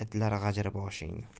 itlar g'ajir boshingni